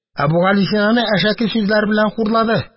Әбүгалисинаны әшәке сүзләр белән хурлады.